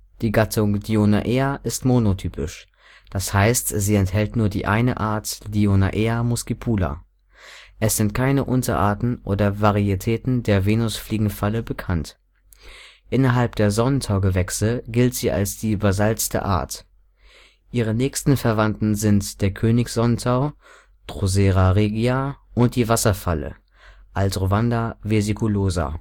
Die Gattung Dionaea ist monotypisch, das heißt, sie enthält nur die eine Art Dionaea muscipula. Es sind keine Unterarten oder Varietäten der Venusfliegenfalle bekannt. Innerhalb der Sonnentaugewächse gilt sie als die basalste Art; ihre nächsten Verwandten sind der Königs-Sonnentau (Drosera regia) und die Wasserfalle (Aldrovanda vesiculosa